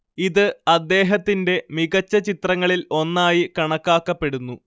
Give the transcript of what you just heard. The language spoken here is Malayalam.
ഇത് അദ്ദേഹത്തിന്റെ മികച്ച ചിത്രങ്ങളിൽ ഒന്നായി കണക്കാക്കപ്പെടുന്നു